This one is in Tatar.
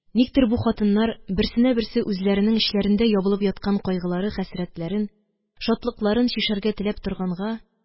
Никтер бу хатыннар берсенә берсе үзләренең эчләрендә ябылып яткан кайгылары-хәсрәтләрен, шатлыкларын чишәргә теләп торганга